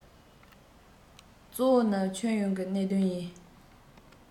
གཙོ བོ ནི ཁྱོན ཡོངས ཀྱི གནད དོན ཡིན